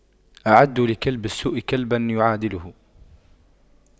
أعدّوا لكلب السوء كلبا يعادله